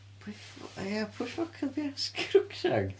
Pwy ffwc- ie pwy ffwc oedd piau Crookshanks?